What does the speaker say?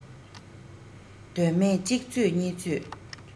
དོན མེད གཅིག རྩོད གཉིས རྩོད